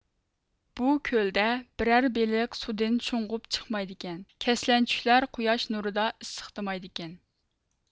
بۇ كۆلدە بىرەر بېلىق سۇدىن شۇڭغۇپ چىقمايدىكەن كەسلەنچۈكلەر قۇياش نۇرىدا ئىسسىقدىمايدىكەن